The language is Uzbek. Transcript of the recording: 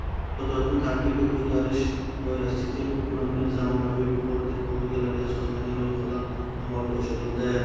iqtisodiyotni tarkibiy o'zgartirish doirasida keng ko'lamli zamonaviy yuqori texnologiyalarga asoslangan loyihalar amalga oshirildi